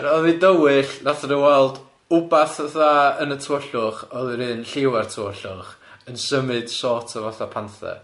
Ie oedd hi'n dywyll, wnaethon nhw weld wbath fatha yn y tywyllwch oedd yr un lliw a'r tywyllwch yn symud sort of fatha panther.